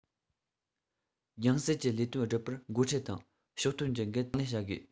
ཡང སྲིད ཀྱི ལས དོན སྒྲུབ པར འགོ ཁྲིད དང ཕྱོགས སྟོན གྱི འགན དང ལེན བྱ དགོས